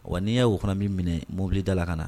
Wa n'i y' oo kɔnɔ min minɛ mobili da la ka na